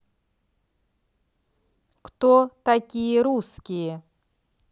кто такие русские